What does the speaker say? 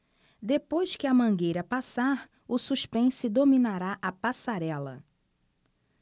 depois que a mangueira passar o suspense dominará a passarela